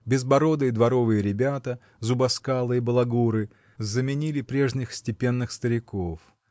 Безбородые дворовые ребята, зубоскалы и балагуры, заменяли прежних степенных стариков